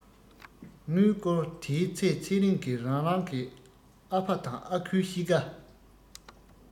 དངུལ བསྐུར དེའི ཚེ ཚེ རིང གི རང རང གི ཨ ཕ དང ཨ ཁུའི གཤིས ཀ